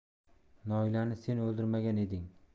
noilani sen o'ldirmagan eding